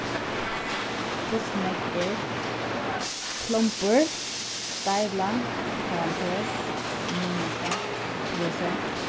hvussu nógv er klombur deila parantes minusa prosent